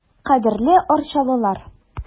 Кадерле арчалылар!